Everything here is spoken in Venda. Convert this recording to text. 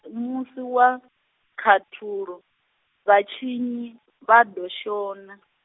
musi wa, khaṱhulo, vhatshinyi, vha ḓo shona .